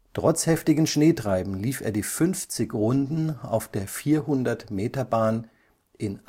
Trotz heftigem Schneetreiben lief er die 50 Runden auf der 400-Meter-Bahn in